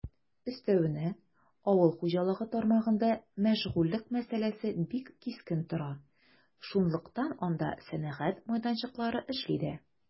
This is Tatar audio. Өстәвенә, авыл хуҗалыгы тармагында мәшгульлек мәсьәләсе бик кискен тора, шунлыктан анда сәнәгать мәйданчыклары эшли дә.